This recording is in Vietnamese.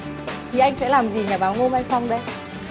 thì anh sẽ làm gì nhà báo ngô mai phong đây